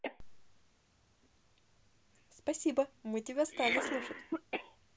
спасибо мы тебя стали слушать